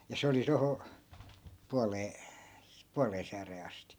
ja se oli tuohon puoleen puoleen sääreen asti